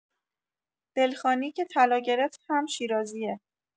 دلخانی که طلا گرفت هم شیرازیه